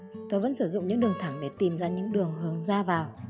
tớ vẫn sử dụng những đường thẳng để tìm ra những đường hướng ra vào